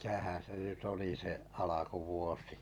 mitähän se nyt oli se alkuvuosi